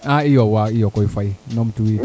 a iyo wa iyo koy Faye numtu wiidi